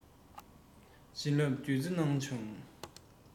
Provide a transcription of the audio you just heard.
བྱིན བརླབས བདུད རྩི གནང བྱུང